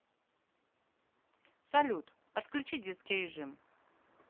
салют отключить детский режим